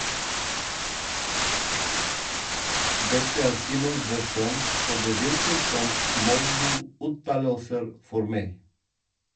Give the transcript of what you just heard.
- Dette er Simens versjon og det virker som molbouttalelser for meg.